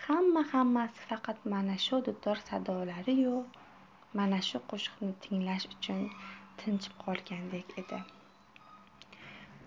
hamma hammasi faqat mana shu dutor sadolariyu mana shu qo'shiqni tinglash uchun tinchib qolgandek edi